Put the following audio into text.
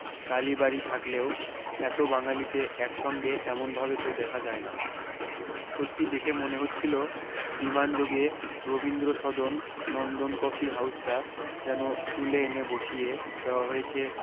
কালী বাড়ী থাকলেও এত বাঙালীকে একসঙ্গে এমনভাবে তো দেখা যায় না সত্যি দেখে মনে হচ্ছিল বিমান যোগে রবীন্দ্র সদন নন্দন কফি হাউসটা যেন তুলে এনে বসিয়ে দেওয়া হয়েছে